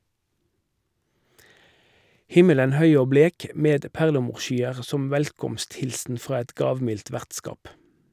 Himmelen høy og blek, med perlemorsskyer som velkomsthilsen fra et gavmildt vertskap.